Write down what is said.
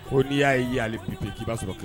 Ko n'i y' ye'alepite k i b'a sɔrɔ